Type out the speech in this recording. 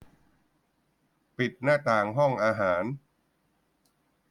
ปิดหน้าต่างห้องอาหาร